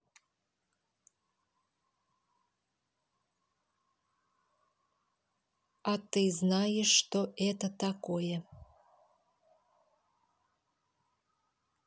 а ты знаешь что это такое